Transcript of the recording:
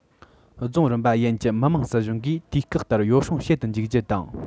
རྫོང རིམ པ ཡན གྱི མི དམངས སྲིད གཞུང གིས དུས བཀག ལྟར ཡོ བསྲང བྱེད དུ འཇུག རྒྱུ དང